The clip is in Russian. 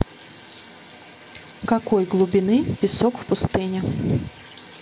какой глубины песок в пустыне